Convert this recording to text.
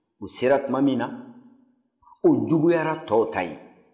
u sera tuma min na o juguyara tɔw ta ye